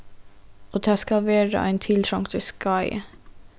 og tað skal vera ein tiltrongdur skái